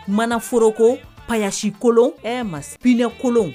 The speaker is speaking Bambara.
Mana foro ko payesi kolon ɛɛ masilɛ kolon